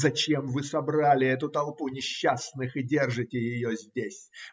Зачем вы собрали эту толпу несчастных и держите ее здесь?